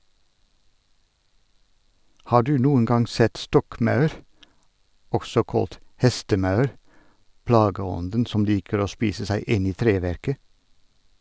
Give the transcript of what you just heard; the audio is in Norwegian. Har du noen gang sett stokkmaur, også kalt hestemaur, plageånden som liker å spise seg inn i treverket?